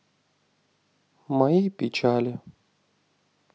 мои печали